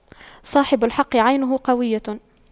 صاحب الحق عينه قوية